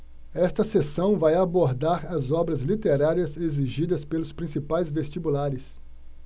esta seção vai abordar as obras literárias exigidas pelos principais vestibulares